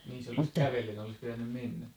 niin se olisi kävellen olisi pitänyt mennä tietysti